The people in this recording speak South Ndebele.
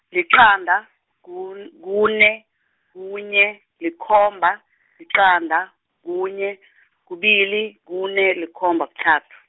liqanda, kun- kune, kunye, likhomba, liqanda, kunye, kubili, kune, likhomba, kuthathu.